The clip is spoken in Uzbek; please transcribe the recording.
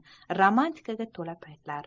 romantikaga to'la paytlar